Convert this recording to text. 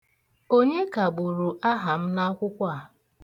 Onye kagburu aha m n'akwụkwọ a?